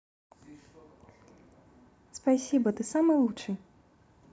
спасибо ты самый лучший